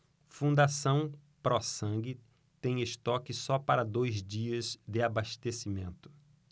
fundação pró sangue tem estoque só para dois dias de abastecimento